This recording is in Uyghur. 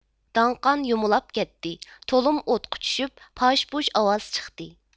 داڭقان يۇمۇلاپ كەتتى تۇلۇم ئوتقا چۈشۈپ پاژ پۇژ ئاۋاز چىقتى